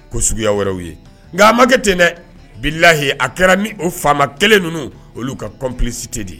Ko suguya wɛrɛw ye nka a makɛ ten dɛ bilayi a kɛra ni o faama kelen ninnu olu ka complicité de ye.